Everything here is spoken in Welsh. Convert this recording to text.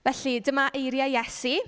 Felly, dyma eiriau Iesu.